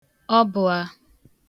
ọbụā